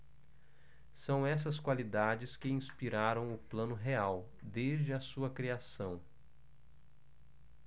são essas qualidades que inspiraram o plano real desde a sua criação